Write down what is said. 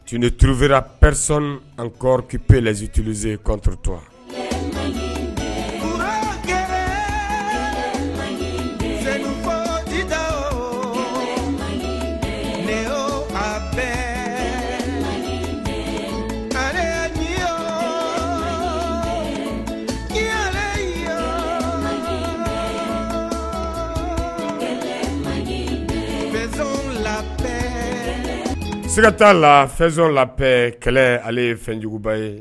Tun ni tuuru vra pɛs an kɔriki peerelasitue kɔnɔntotɔ kuma kɛ le akari yo yo la seiga t'a la fɛso la kɛlɛ ale ye fɛnjuguba ye